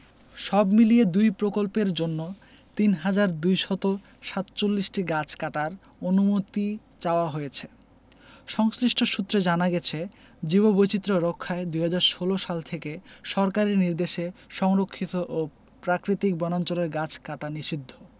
সবমিলিয়ে দুই প্রকল্পের জন্য ৩হাজার ২৪৭টি গাছ কাটার অনুমতি চাওয়া হয়েছে সংশ্লিষ্ট সূত্রে জানা গেছে জীববৈচিত্র্য রক্ষায় ২০১৬ সাল থেকে সরকারি নির্দেশে সংরক্ষিত ও প্রাকৃতিক বনাঞ্চলের গাছ কাটা নিষিদ্ধ